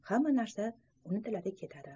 hamma narsa unutiladi ketiladi